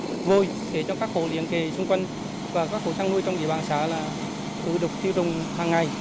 vôi để cho các hộ liền kề xung quanh và các hộ chăn nuôi trong địa bàn xã là khử độc tiêu trùng hằng ngày